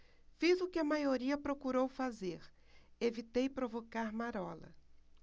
fiz o que a maioria procurou fazer evitei provocar marola